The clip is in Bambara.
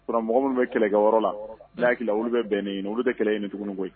Mɔgɔ minnu bɛ kɛlɛ kɛ yɔrɔ la da hakiliki olu bɛ bɛnnen ye olu tɛ kɛlɛ ye nin tuguni koyi